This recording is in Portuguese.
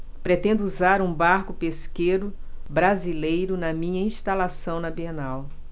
pretendo usar um barco pesqueiro brasileiro na minha instalação na bienal